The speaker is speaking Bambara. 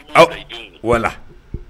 Aw wala